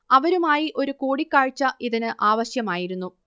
അവരുമായി ഒരു കൂടിക്കാഴ്ച ഇതിന് ആവശ്യമായിരുന്നു